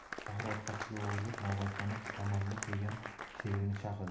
tohir orqasiga o'girilib novvoyxona tomonda turgan sherigini chaqirdi